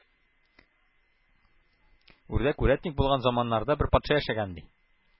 Үрдәк үрәтник булган заманнарда бер патша яшәгән, ди.